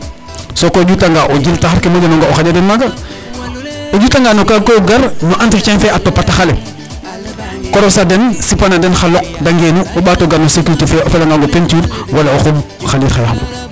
Sokoy o ƴutanga o jil taxar ke moƴanonga o xaƴa den maaga, o ƴutanga no kaaga koy o gar no entretien fe a topatoox ale koros a den sipan a den xa loq da ngeenu o ɓaat o gar no sécurité fe a felangan o peinture wala o xum xa liir xa yaxgu.